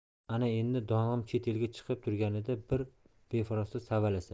ana endi dong'im chet elga chiqib turganida bir befarosat savalasa